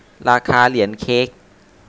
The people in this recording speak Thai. ราคาเหรียญเค้ก